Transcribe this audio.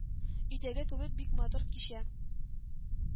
Өйдәге кебек, бик матур кичә